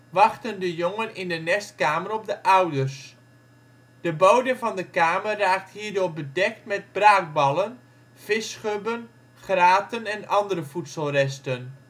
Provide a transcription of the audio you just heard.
wachten de jongen in de nestkamer op de ouders. De bodem van de kamer raakt hierdoor bedekt met braakballen, visschubben, graten en andere voedselresten